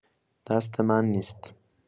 دست من نیست.